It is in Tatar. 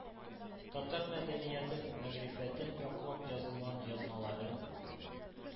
Татар мәдәниятен, мәгърифәтен яклап язылган язмалары,